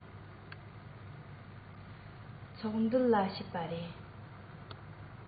དཔྱིད ཀ ནི ན ཆུང གི བུ མོ དང འདྲ བར འཇོ སྒེ ཉམས འགྱུར རྫོགས ཤིང དགོད པའི འཛུམ དཀར ངོམ བཞིན རྒྱུ